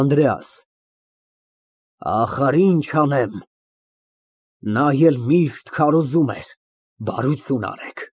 ԱՆԴՐԵԱՍ ֊ Ախար, ինչ անեմ, նա էլ միշտ քարոզում էր. «բարություն արեք»։